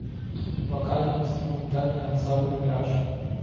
вокально инструментальный ансамбль мираж